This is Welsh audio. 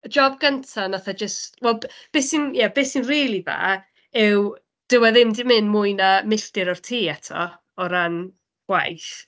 y job gyntaf wnaeth e jyst wel, b- be sy'n ie be sy'n rili dda yw, dyw e ddim 'di mynd mwy na milltir o'r tŷ eto o ran gwaith.